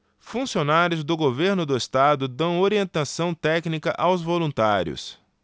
funcionários do governo do estado dão orientação técnica aos voluntários